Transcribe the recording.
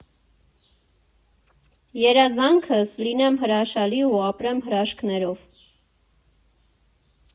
Երազանքս՝ լինեմ հրաշալի ու ապրեմ հրաշքներով։